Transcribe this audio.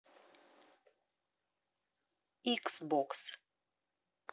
икс бокс